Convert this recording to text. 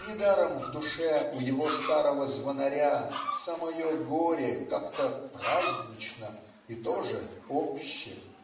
недаром в душе у его старого звонаря самое горе как-то празднично и тоже обще.